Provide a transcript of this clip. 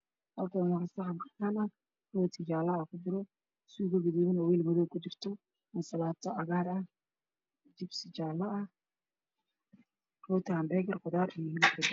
Halkaan waa saxan cadaan ah rooti jaallaa aa ku jira suugo gaduudan ayaa weel madow ku jirto ansalaato cagaar ah jibsi jaalla rooti han beekar qudaar iyo hilib jar jaran